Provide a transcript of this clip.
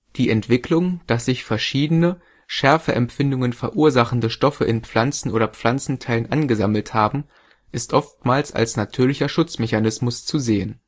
Die Entwicklung, dass sich verschiedene, Schärfeempfindungen verursachende Stoffe in Pflanzen oder Pflanzenteilen angesammelt haben, ist oftmals als natürlicher Schutzmechanismus zu sehen